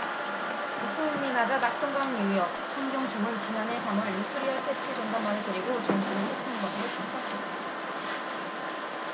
입소문이 나자 낙동강유역환경청은 지난해 삼 월 뉴트리아 퇴치전담반을 꾸리고 전씨를 퇴치반장으로 스카우트했다